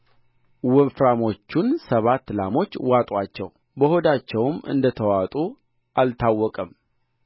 ወፍራሞቹን ሰባት ላሞች ዋጡአቸው በሆዳቸውም ተዋጡ በሆዳቸውም እንደተዋጡ አልታወቀም